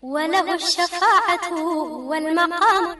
Walimadugu walima